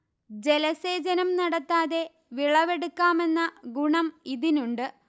ജലസേചനം നടത്താതെ വിളവെടുക്കാമെന്ന ഗുണം ഇതിനുണ്ട്